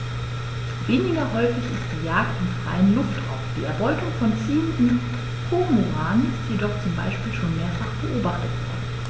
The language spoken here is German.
Weniger häufig ist die Jagd im freien Luftraum; die Erbeutung von ziehenden Kormoranen ist jedoch zum Beispiel schon mehrfach beobachtet worden.